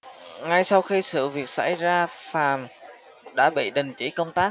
ngay sau khi sự việc xảy ra phàn đã bị đình chỉ công tác